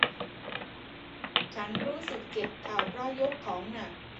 ฉันรู้สึกเจ็บเข่าเพราะยกของหนัก